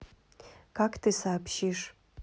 как ты сообщишь